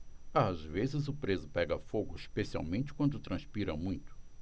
às vezes o preso pega fogo especialmente quando transpira muito